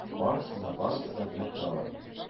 Барысын да, барысын да белеп торалар монда